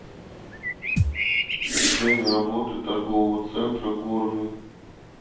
время работы торгового центра горный